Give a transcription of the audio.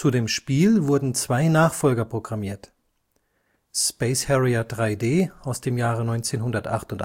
dem Spiel wurden zwei Nachfolger programmiert: Space Harrier 3D (1988